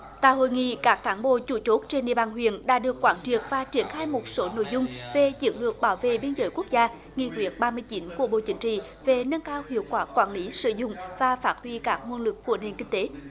tại hội nghị các cán bộ chủ chốt trên địa bàn huyện đã được quán triệt và triển khai một số nội dung về chiến lược bảo vệ biên giới quốc gia nghị quyết ba mươi chín của bộ chính trị về nâng cao hiệu quả quản lý sử dụng và phát huy các nguồn lực của nền kinh tế